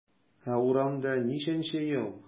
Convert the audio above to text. Ә урамда ничәнче ел?